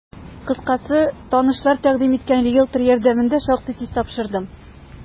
Кыскасы, танышлар тәкъдим иткән риелтор ярдәмендә шактый тиз тапшырдым.